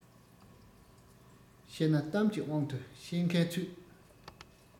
བཤད ན གཏམ གྱི དབང དུ བཤད མཁན ཚུད